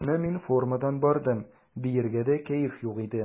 Әмма мин формадан бардым, биергә дә кәеф юк иде.